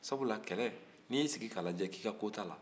sabula kɛlɛ n'i y'i sigi k'a lajɛ k'i ka ko t'a la